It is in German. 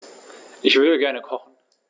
Ich würde gerne kochen.